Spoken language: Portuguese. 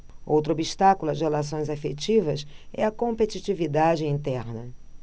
outro obstáculo às relações afetivas é a competitividade interna